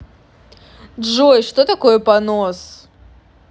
джой что такое понос